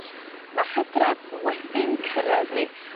Ma'r Hydref wedi'n cyrredd ni